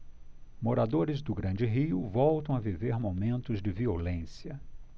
moradores do grande rio voltam a viver momentos de violência